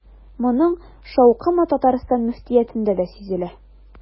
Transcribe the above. Моның шаукымы Татарстан мөфтиятендә дә сизелә.